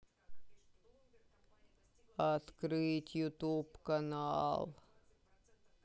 открыть ютуб канал